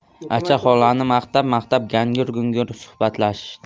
acha xolani maqtab maqtab gangur gungur suhbatlashishdi